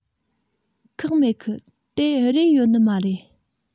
ཁག མེད གི དེ རས ཡོད ནི མ རེད